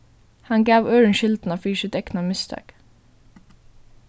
hann gav øðrum skyldina fyri sítt egna mistak